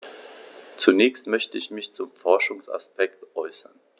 Zunächst möchte ich mich zum Forschungsaspekt äußern.